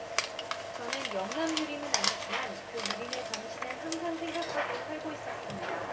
저는 영남 유림은 아니지만 그 유림의 정신을 항상 생각하고 살고 있었습니다